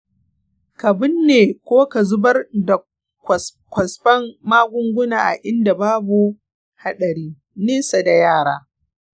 ka binne ko ka zubar da kwasfan magunguna a inda babu haɗari, nesa da yara.